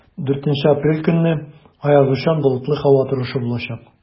4 апрель көнне аязучан болытлы һава торышы булачак.